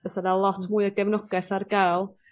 bysa 'na lot mwy o gefnogaeth ar ga'l